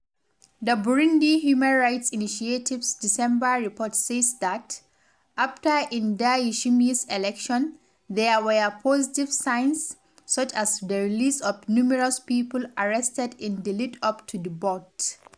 The Burundi Human Rights Initiative’s December report says that, after Ndayishimye’s election, there were positive signs, such as the release of numerous people arrested in the lead-up to the vote.